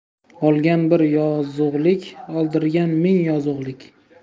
olgan bir yozug'lik oldirgan ming yozug'lik